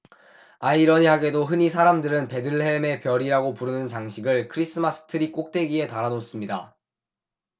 아이러니하게도 흔히 사람들은 베들레헴의 별이라 부르는 장식을 크리스마스트리 꼭대기에 달아 놓습니다